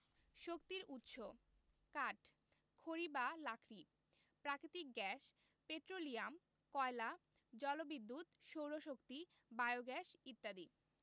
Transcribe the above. শক্তির উৎসঃ কাঠ খড়ি বা লাকড়ি প্রাকৃতিক গ্যাস পেট্রোলিয়াম কয়লা জলবিদ্যুৎ সৌরশক্তি বায়োগ্যাস ইত্যাদি